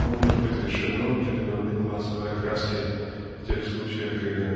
оно может быть лишено определенной классовой окраски в тех случаях когда